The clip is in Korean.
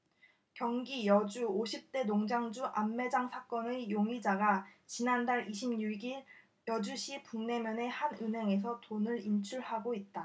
경기 여주 오십 대 농장주 암매장 사건의 용의자가 지난달 이십 육 일 여주시 북내면의 한 은행에서 돈을 인출하고 있다